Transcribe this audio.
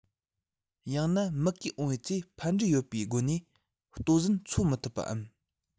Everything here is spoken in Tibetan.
ཡང ན མུ གེ འོངས པའི ཚེ ཕན འབྲས ཡོད པའི སྒོ ནས ལྟོ ཟན འཚོལ མི ཐུབ པའམ